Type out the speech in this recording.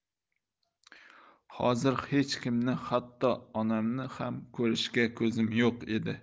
hozir hech kimni hatto onamni ham ko'rishga ko'zim yo'q edi